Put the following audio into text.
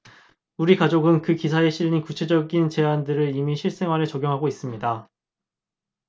우리 가족은 그 기사에 실린 구체적인 제안들을 이미 실생활에 적용하고 있습니다